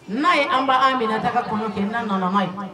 N'a ye an ba Aminata ka kulun tiɲɛ n'a nanama ye